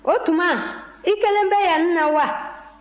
o tuma i kelen bɛ yanninnɔ wa